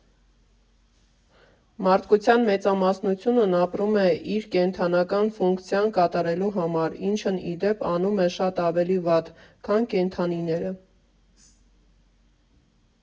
Մարդկության մեծամասնությունն ապրում է իր՝ կենդանական ֆունկցիան կատարելու համար, ինչն, ի դեպ, անում է շատ ավելի վատ, քան կենդանիները։